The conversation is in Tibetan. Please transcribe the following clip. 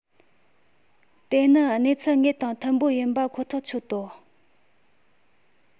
དེ ནི གནས ཚུལ དངོས དང མཐུན པོ ཡིན པ ཁོ ཐག ཆོད དོ